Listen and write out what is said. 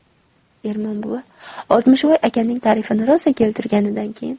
ermon buva oltmishvoy akaning tarifini rosa keltirganidan keyin